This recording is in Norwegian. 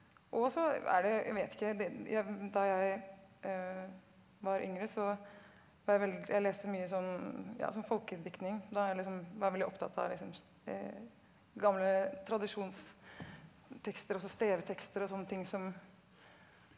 og så er det jeg vet ikke det jeg da jeg var yngre så ble jeg jeg leste mye sånn ja sånn folkediktning da jeg liksom var veldig opptatt av liksom gamle tradisjonstekster også stevetekster og sånne ting som,